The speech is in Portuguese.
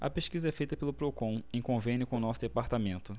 a pesquisa é feita pelo procon em convênio com o diese